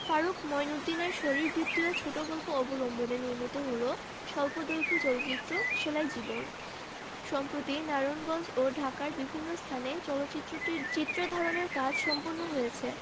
ফারুক মইনউদ্দিনের শরীরবৃত্তীয় ছোট গল্প অবলম্বনে নির্মিত হল স্বল্পদৈর্ঘ্য চলচ্চিত্র সেলাই জীবন সম্প্রতি নারায়ণগঞ্জ ও ঢাকার বিভিন্ন স্থানে চলচ্চিত্রটির চিত্র ধারণের কাজ সম্পন্ন হয়েছে